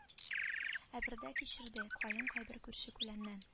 Әбер дә кичерде каен кайбер күрше-күләннән